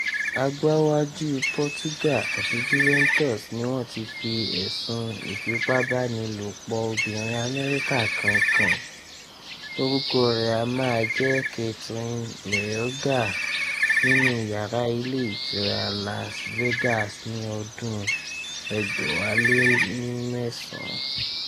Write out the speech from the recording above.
Agbáwájú Portugal àti Juventus ni wọ́n ti fi ẹ̀sùn ìfipabánilòpọ̀ obìnrin Amẹ́ríkà kan kàn, orúkọ rẹ́ a máa jẹ́ Kathryn Mayorga, nínú yàra ilé ìtura Las Vegas ní 2009.